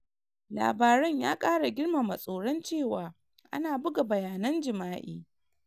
Labaren ya kara girmama tsoron cewa ana buga bayanan jima'i